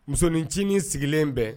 Musonincinin sigilen bɛn